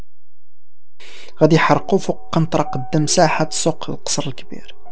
قد يحرقون ترقد مساحه سوق قصر الكبير